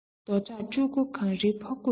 རྡོ བྲག སྤྲུལ སྐུ གངས རིའི ཕོ རྒོད ཡིན